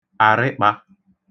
àrịkpa